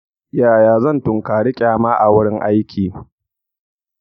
yaya zan tunkari kyama a wurin aiki?